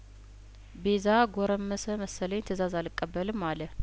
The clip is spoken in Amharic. ቤዛ ጐረመሰ መሰለኝ ትእዛዝ አልቀበልም አለ